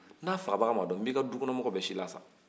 n'a fagabaga ma don nb'i ka du kɔnɔ mɔgɔ bɛɛ silasa